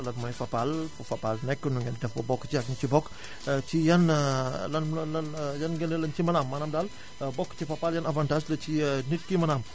lan mooy Fapal fu Fapal nekk nu ngeen di def ba bokk ci ak ñi ci bokk ci yan lan lan yan ngënéel lañu ci mën a am maanaam daal bokk ci Fapal yan avantages la ci nit ki mën a am